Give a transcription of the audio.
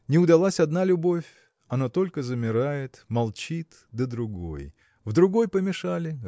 Не удалась одна любовь, оно только замирает, молчит до другой в другой помешали